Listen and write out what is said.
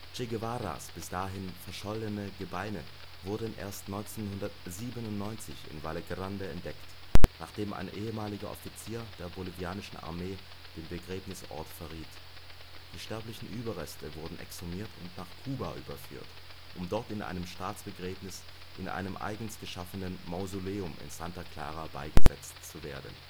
Che Guevaras bis dahin verschollene Gebeine wurden erst 1997 in Vallegrande entdeckt, nachdem ein ehemaliger Offizier der bolivianischen Armee den Begräbnisort verriet. Die sterblichen Überreste wurden exhumiert und nach Kuba überführt, um dort mit einem Staatsbegräbnis in einem eigens geschaffenen Mausoleum in Santa Clara beigesetzt zu werden